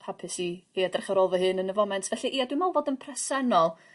Hapus i i edrych ar ôl fy hun yn y foment felly ie dwi me'wl fod yn presennol...